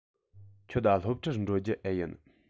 ཁྱོད སློབ གྲྭར འགྲོ རྒྱུ འེ ཡིན